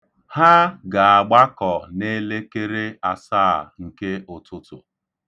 Ha ga-agbakọ n'elekere asaa nke ụtụtụ.